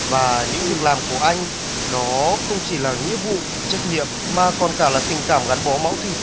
và những việc làm của anh đó không chỉ là nghĩa vụ trách nhiệm mà còn cả là tình cảm gắn bó máu thịt